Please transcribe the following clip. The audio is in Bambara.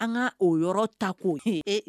An ŋa o yɔrɔ ta k'o he e